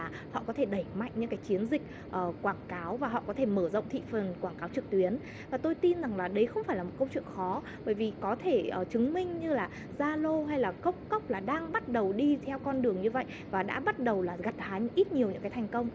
họ có thể đẩy mạnh những các chiến dịch ở quảng cáo và họ có thể mở rộng thị phần quảng cáo trực tuyến và tôi tin rằng là đây không phải là một câu chuyện khó bởi vì có thể ở chứng minh như là gia lô hay là cốc cốc là đang bắt đầu đi theo con đường như vậy và đã bắt đầu là gặt hái ít nhiều những cái thành công